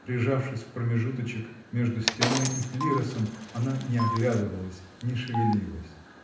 прижавшись в промежуточек между стеной и клиросом, она не оглядывалась не шевелилась.